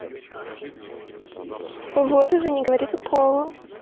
вот уже не говорит укола